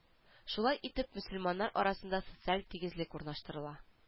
Шулай итеп мөселманнар арасында социаль тигезлек урнаштырыла